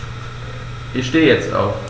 Ich stehe jetzt auf.